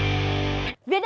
việt